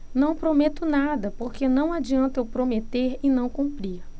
não prometo nada porque não adianta eu prometer e não cumprir